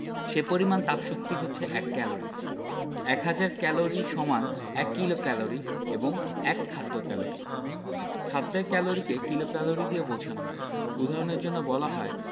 সে পরিমাণ তাপশক্তি হচ্ছে এক ক্যালরি এক হাজার ক্যালরি সমান এক কিলোক্যালরি বা এক খাদ্য ক্যালরি খাদ্যের ক্যালরিকে কিলোক্যালরি দিয়ে বোঝানো হয় উদাহরণের জন্যে বলা হয়